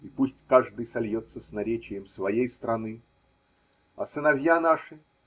и пусть каждый сольется с наречием своей страны. А сыновья наши?